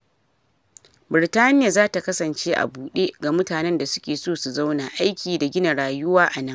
Birtaniya za ta kasance a bude ga mutanen da suke so su zauna, aiki da gina rayuwa a nan.